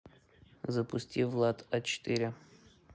запусти влад а четыре